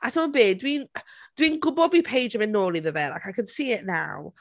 A timod be? Dwi'n dwi'n gwbod bydd Paige yn mynd nôl iddo fe, like I can see it now.